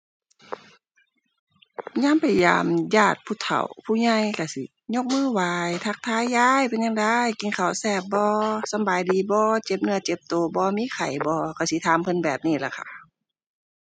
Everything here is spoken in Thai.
ยามไปยามญาติผู้เฒ่าผู้ใหญ่ก็สิ ยกมือไหว้ทักทายยายเป็นจั่งใด กินข้าวแซ่บบ่ สำบายดีบ่ เจ็บเนื้อเจ็บก็บ่ มีไข้บ่ก็สิถามเพิ่นแบบนี้ล่ะค่ะ